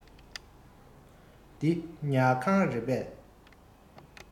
འདི ཉལ ཁང རེད པས